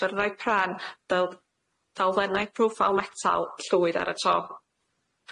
byrddau pren fel dalddennau proffal metal llwyd ar y to.